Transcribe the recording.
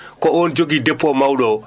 ko oon jogii dépot mawɗo oo